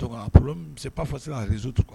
Se'a fo se kaztu kuwa